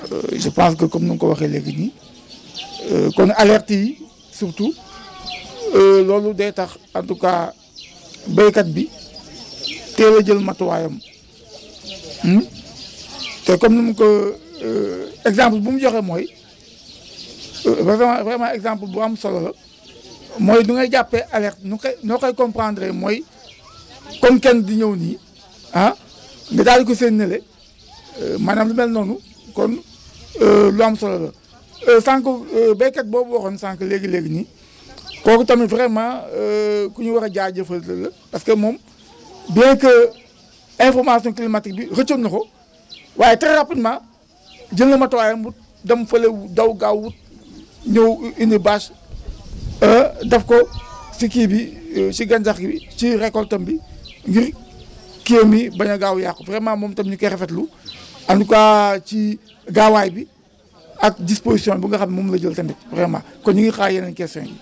je pense que comme nu nga ko waxee léegi nii kon alerte yi surtout loolu day tax en tout cas béykat bi teel a jël matuwaayam te comme nu mu ko exemple bu mu joxe mooy vraiment vraiment exemple bu am solo la mooy nu ngay jàppee alerte noo koy noo koy comprendre mooy comme kenn di ñëw nii ah nga daal di koy séen nële maanaam lu mel noonu kon lu am solo la sànq béykat bi boobu waxoon sànq léegi-léegi nii kooku t(amit vraiment ku ñu war a jaajëfal la parce que moom bien que information climatique bi rëccoon na ko waaye très rapidement jël na matuwaayam mu dem fële daw gaaw ut ñëw indi bâche def ko si kii bi si gàncax gi ci récolte am bi ngir kiiwam yi bañ a gaaw a yàqu vraiment tamit ñu ngi koy rafetlu en tout cas ci gaawaay bi ak disposition bu nga xam moom la jël ren ji vraiment kon ñu ngi xaar yeneen questions yi